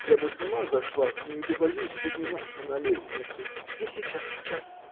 Я бы сама зашла к ней, да боюсь подниматься на лестницу. — Я сейчас, сейчас.